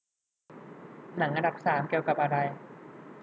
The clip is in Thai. หนังอันดับสามเกี่ยวกับอะไร